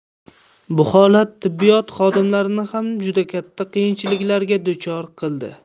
bu holat tibbiyot xodimlarini ham juda katta qiyinchiliklarga duchor qildi